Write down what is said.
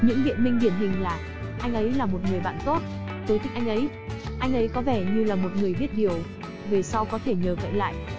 những biện minh điển hình là anh ấy là một người bạn tốt tôi thích anh ấy anh ấy có vẻ như là một người biết điều về sau có thể nhờ cậy lại